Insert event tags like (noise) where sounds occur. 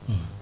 (hesitation) (hesitation)